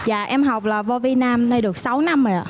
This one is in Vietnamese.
dạ em học là vô vi nam nay được sáu năm rồi ạ